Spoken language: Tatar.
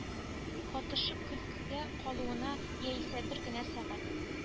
Катышып көлкегә калуына яисә бер генә сәгать